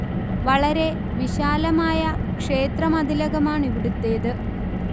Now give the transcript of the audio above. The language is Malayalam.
വളരെ വിശാലമായ ക്ഷേത്ര മതിലകമാണിവിടുത്തേത്